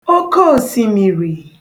oke òsìmìrì